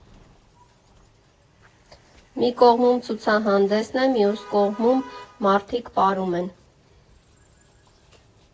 Մի կողմում ցուցահանդեսն է, մյուս կողմում մարդիկ պարում են։